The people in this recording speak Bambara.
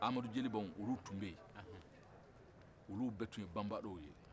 amadu jelibɔnw olu tun bɛ ye olu bɛɛ tun ye banbandɔw ye